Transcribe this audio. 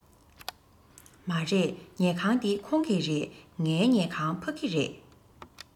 མ རེད ཉལ ཁང འདི ཁོང གི རེད ངའི ཉལ ཁང ཕ གི རེད